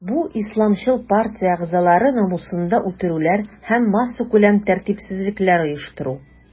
Бу исламчыл партия әгъзалары намусында үтерүләр һәм массакүләм тәртипсезлекләр оештыру.